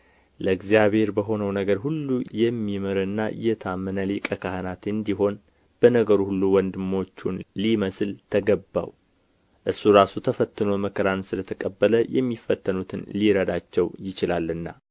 ለእግዚአብሔር በሆነው ነገር ሁሉ የሚምርና የታመነ ሊቀ ካህናት እንዲሆን በነገር ሁሉ ወንድሞቹን ሊመስል ተገባው እርሱ ራሱ ተፈትኖ መከራን ስለ ተቀበለ የሚፈተኑትን ሊረዳቸው ይችላልና